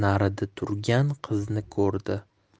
narida turgan qizni ko'rdi